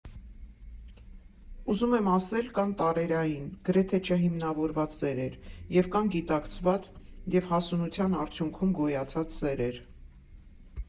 Ուզում եմ ասել՝ կան տարերային, գրեթե չհիմնավորված սերեր և կան գիտակցված և հասունության արդյունքում գոյացած սերեր։